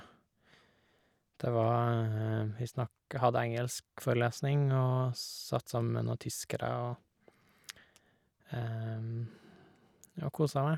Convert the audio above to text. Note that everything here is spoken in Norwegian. det var Vi snakka hadde engelsk forelesning og satt sammen med noen tyskere og og koste meg.